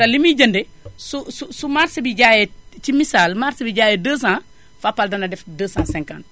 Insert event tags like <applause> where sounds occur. ta li muy jëndee <noise> su su marché bi jaayee si misaal marché bi jaayee 200 Fapal dana def <noise> 250